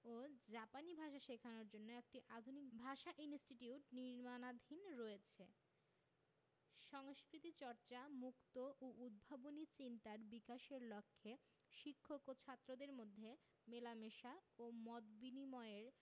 ও জাপানি ভাষা শেখানোর জন্য একটি আধুনিক ভাষা ইনস্টিটিউট নির্মাণাধীন রয়েছে সংস্কৃতিচর্চা মুক্ত ও উদ্ভাবনী চিন্তার বিকাশের লক্ষ্যে শিক্ষক ও ছাত্রদের মধ্যে মেলামেশা ও মত বিনিময়ের